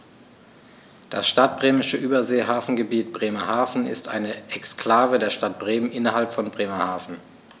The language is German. Das Stadtbremische Überseehafengebiet Bremerhaven ist eine Exklave der Stadt Bremen innerhalb von Bremerhaven.